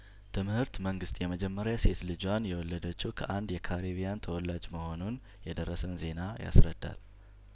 ትምህርት መንግስት የመጀመሪያ ሴት ልጇን የወለደችው ከአንድ የካሪቢያን ተወላጅ መሆኑን የደረሰን ዜና ያስረዳል